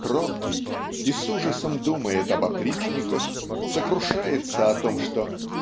кроткий и с ужасом думает об опричниках сокрушается о том что